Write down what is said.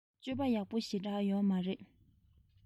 སྤྱོད པ ཡག པོ ཞེ དྲགས ཡོད མ རེད